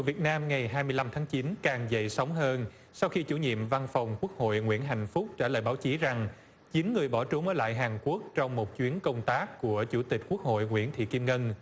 việt nam ngày hai mươi lăm tháng chín càng dậy sóng hơn sau khi chủ nhiệm văn phòng quốc hội nguyễn hạnh phúc trả lời báo chí rằng chín người bỏ trốn ở lại hàn quốc trong một chuyến công tác của chủ tịch quốc hội nguyễn thị kim ngân